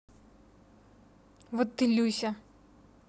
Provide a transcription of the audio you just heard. вот ты люся